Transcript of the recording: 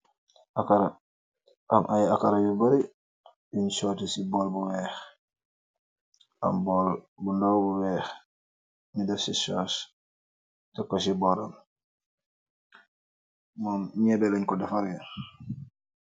Akara am ay akara yu bari uñ shooti ci bool bu weex am bool bu ndaw bu weex ni daf ci charge te ko ci booram moom ñyeebe lañ ko defarre.